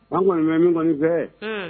An kɔniɔni bɛ min kɔniɔni fɛ